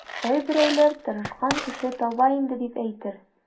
Кайберәүләр тырышкан кеше таба инде, дип әйтер.